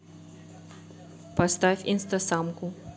поставь инстасамку